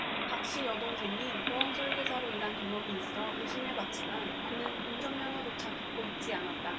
박씨 여동생이 보험설계사로 일한 경험이 있어 의심해 봤지만 그는 운전면허조차 갖고 있지 않았다